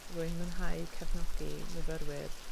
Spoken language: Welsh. rwy'n mwynhau cefnogi myfyrwyr